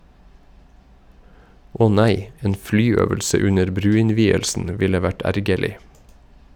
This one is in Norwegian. Åh nei, en flyøvelse under bruinnvielsen ville vært ergerlig.